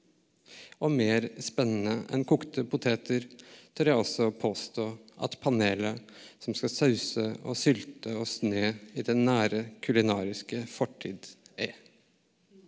og mer spennende enn kokte poteter tør jeg også påstå at panelet som skal sause og sylte og sne i den nære, kulinariske fortid er.